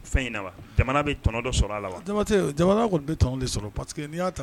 Fɛn jamana bɛ tɔnɔ dɔ sɔrɔ a wa jama jamana tun bɛ tɔn sɔrɔ paseke n' y'a